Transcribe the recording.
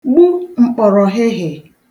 gbu m̀kpọ̀rọ̀hịhị̀